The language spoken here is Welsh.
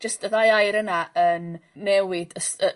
jyst y ddau air yna yn newid y s- y